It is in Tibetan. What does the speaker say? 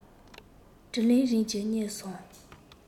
དྲིས ལན རིམ གྱིས རྙེད སོང